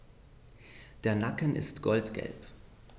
Der Nacken ist goldgelb.